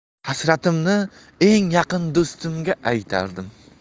hasratimni eng yaqin do'stimga aytardim